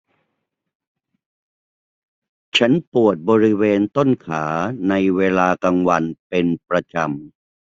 ฉันปวดบริเวณต้นขาในเวลากลางวันเป็นประจำ